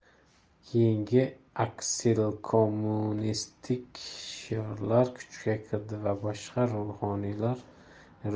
keyin aksilkommunistik shiorlar kuchga kirdi va